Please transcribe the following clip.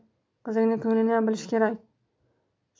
qizingni ko'ngliniyam bilish kerak